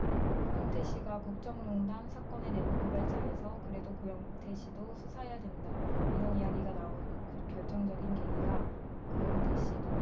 고영태 씨가 국정농단 사건의 내부 고발자에서 그래도 고영태 씨도 수사해야 된다 이런 이야기가 나온 결정적인 계기가 고영태 씨 녹취록이었습니다